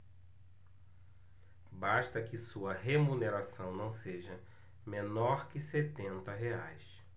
basta que sua remuneração não seja menor que setenta reais